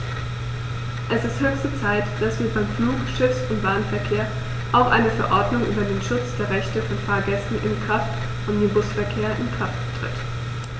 Es ist höchste Zeit, dass wie beim Flug-, Schiffs- und Bahnverkehr auch eine Verordnung über den Schutz der Rechte von Fahrgästen im Kraftomnibusverkehr in Kraft tritt.